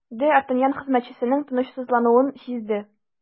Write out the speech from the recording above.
Д’Артаньян хезмәтчесенең тынычсызлануын сизде.